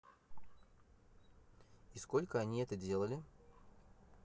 и сколько они это делали